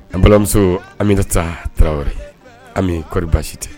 An balamuso anmina taa tarawele an bɛɔri baasi tɛ